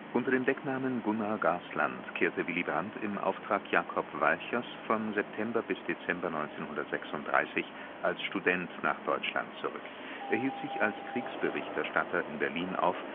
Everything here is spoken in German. Unter dem Decknamen Gunnar Gaasland kehrte er im Auftrag Jacob Walchers von September bis Dezember 1936 als Student nach Deutschland zurück. Er hielt sich als Kriegsberichterstatter in Berlin auf